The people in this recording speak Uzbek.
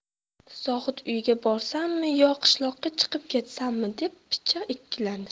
zohid uyga borsammi yo qishloqqa chiqib ketsammi deb picha ikkilandi